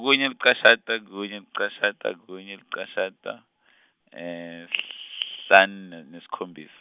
kunye licashata, kunye licashata kunye licashata, sihlan- ne nesikhombisa.